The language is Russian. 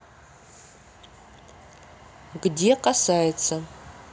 где касается